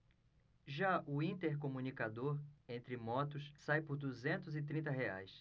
já o intercomunicador entre motos sai por duzentos e trinta reais